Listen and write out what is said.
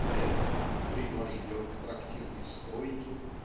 Поэт "пригвожден к трактирной стойке"